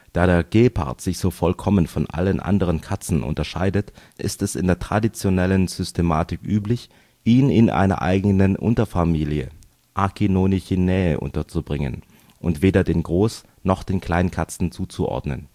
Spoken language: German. Da der Gepard sich so vollkommen von allen anderen Katzen unterscheidet, ist es in der traditionellen Systematik üblich, ihn in einer eigenen Unterfamilie Acinonychinae unterzubringen und weder den Groß - noch den Kleinkatzen zuzuordnen